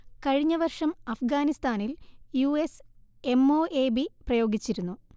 കഴിഞ്ഞ വർഷം അഫ്ഗാനിസ്ഥാനിൽ US M O A B പ്രയോഗിച്ചിരുന്നു